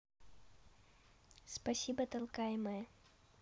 спасибо толкаемая